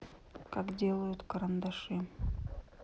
как делают карандаши